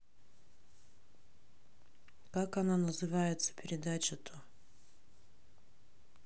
как она называется передача то